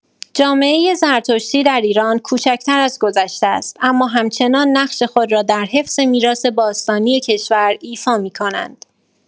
جامعه زرتشتی در ایران کوچک‌تر از گذشته است، اما همچنان نقش خود را در حفظ میراث باستانی کشور ایفا می‌کند.